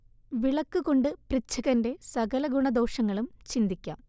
വിളക്കു കൊണ്ട് പൃച്ഛകന്റെ സകല ഗുണദോഷങ്ങളും ചിന്തിക്കാം